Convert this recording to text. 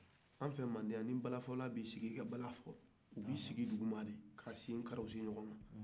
an fɛ mande y'an ni balafɔla b'i sigi ka bala a b'i sigi duguma de ka bala fɔ